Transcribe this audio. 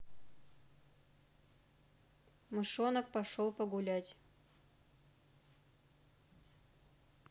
мышонок пошел погулять